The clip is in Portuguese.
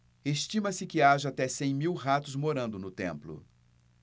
estima-se que haja até cem mil ratos morando no templo